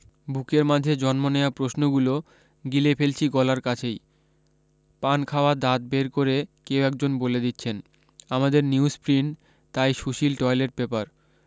বুকের মাঝে জন্ম নেয়া প্রশ্নগুলো গিলে ফেলছি গলার কাছেই পান খাওয়া দাঁত বের করে কেউ একজন বলে দিচ্ছেন আমাদের নিউজপ্রিন্ট তাই সুশীল টয়লেট পেপার